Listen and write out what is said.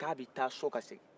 k'a b'i ta so ka segin